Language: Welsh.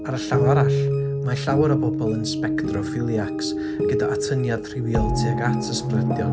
ar y llaw arall, mae llawer o bobl yn spectrophiliacs gyda atyniad rhywiol tuag at ysbrydion.